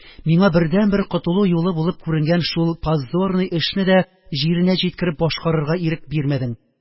Миңа бердәнбер котылу юлы булып күренгән шул позорный эшне дә җиренә җиткереп башкарырга ирек бирмәдең